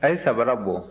a' ye sabara bɔ